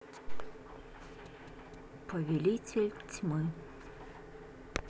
повелитель тьмы